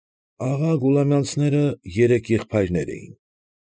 Աղա Գուլամյանցները երեք եղբայրներ էին։